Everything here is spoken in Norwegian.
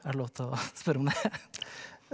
er det lov til å spørre om det ?